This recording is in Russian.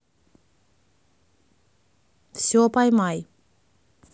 все поймай